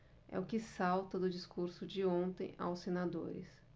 é o que salta do discurso de ontem aos senadores